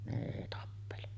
ne ei tappele